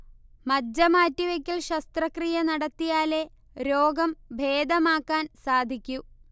മജ്ജ മാറ്റിവെക്കൽ ശസ്ത്രക്രിയ നടത്തിയാലേ രോഗംഭേദമാക്കാൻ സാധിക്കൂ